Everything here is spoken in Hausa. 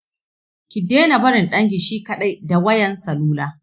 ki daina barin danki shi kadai da wayan salula.